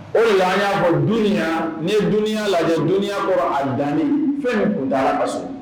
O de la an y'a fɔ duniya n'i ye duniya lajɛ duniya kɔrɔ de ye a dannen fɛn min kuntagala ka surun